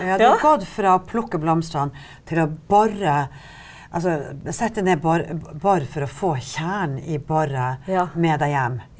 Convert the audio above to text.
du har gått fra å plukke blomstene til å bore altså sette ned bor bor for å få kjernen i boret med deg hjem.